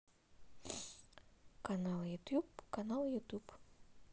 канал ютуб канал ютуб